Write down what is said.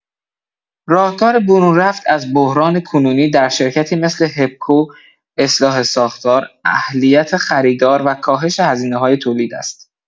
راهکار برون‌رفت از بحران کنونی در شرکتی مثل هپکو اصلاح ساختار، اهلیت خریدار و کاهش هزینه‌های تولید است.